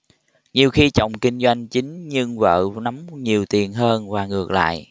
nhiều khi chồng kinh doanh chính nhưng vợ nắm nhiều tiền hơn và ngược lại